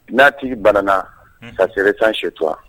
N'a tigi bannaana ka se san sɛtura